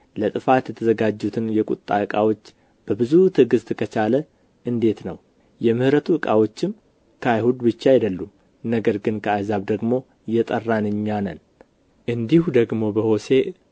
ለጥፋት የተዘጋጁትን የቁጣ ዕቃዎች በብዙ ትዕግሥት ከቻለ እንዴት ነው የምሕረቱ ዕቃዎችም ከአይሁድ ብቻ አይደሉም ነገር ግን ከአሕዛብ ደግሞ የጠራን እኛ ነን እንዲሁ ደግሞ በሆሴዕ